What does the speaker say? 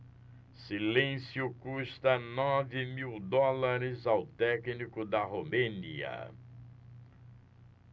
silêncio custa nove mil dólares ao técnico da romênia